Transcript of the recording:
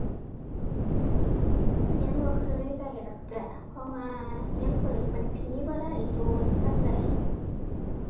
ยังบ่เคยได้ดอกจ้ะ เพราะว่ายังเปิดบัญชีบ่ได้โดนส่ำใด